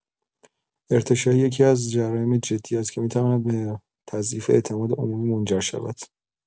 ارتشاء یکی‌از جرایم جدی است که می‌تواند به تضعیف اعتماد عمومی منجر شود.